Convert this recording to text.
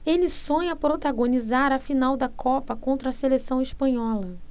ele sonha protagonizar a final da copa contra a seleção espanhola